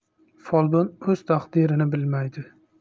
folbin o'z taqdirini bilmaydi